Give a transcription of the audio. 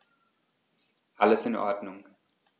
Alles in Ordnung.